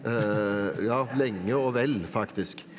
ja lenge og vel faktisk.